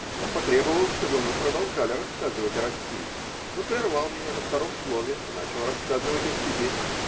Потом потребовал, чтобы мы продолжали рассказывать о России, но прервал меня на втором слове и начал рассказывать о себе.